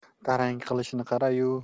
tarang qilishini qarayu